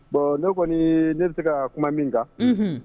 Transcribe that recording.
Bon ne kɔni ne bɛ se ka kuma min kan